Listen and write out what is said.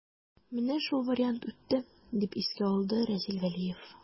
Менә шул вариант үтте, дип искә алды Разил Вәлиев.